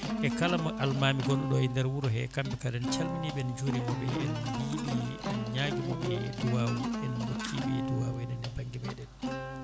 e kala mo almami gonɗo ɗo e nder wuuro he kamɓe kala en calminiɓe en juurimaɓe en mbiɓe en ñaaguimaɓe duwaw en dokkiɓe duwaw enen e banggue meɗen